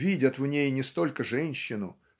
видят в ней не столько женщину